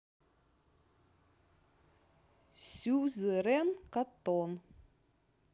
сюзерен cotton